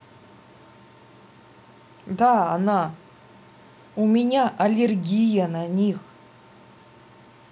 да она у меня аллергия на них